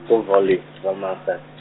ko Wollis-, Wolmaranstad.